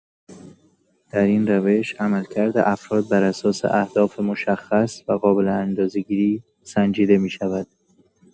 در این روش، عملکرد افراد بر اساس اهداف مشخص و قابل اندازه‌گیری سنجیده می‌شود.